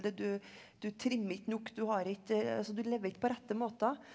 det du du trimmer ikke nok, du har ikke altså du lever ikke på rette måten.